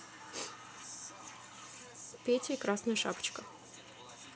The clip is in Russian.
петя и красная шапочка